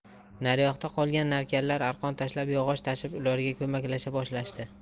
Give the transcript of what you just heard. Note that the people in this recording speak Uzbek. naryoqda qolgan navkarlar arqon tashlab yog'och tashib ularga ko'maklasha boshlashdi